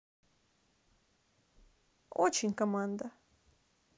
очень команда